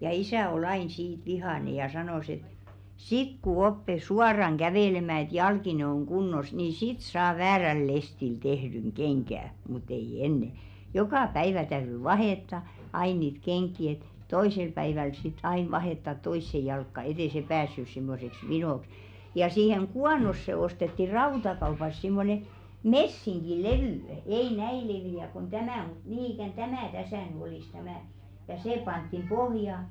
ja isä oli aina siitä vihainen ja sanoi että sitten kun oppi suoraan kävelemään että jalkine on kunnossa niin sitten saa väärällä lestillä tehdyn kengän mutta ei ennen joka päivä täytyi vaihtaa aina niitä kenkiä että toisella päivällä sitten aina vaihtaa toiseen jalkaan että ei se päässyt semmoiseksi vinoksi ja siihen kuonoon ostettiin rautakaupasta semmoinen messinkilevy ei näin leveä kuin tämä mutta niin ikään tämä tässä nyt olisi tämä ja se pantiin pohja-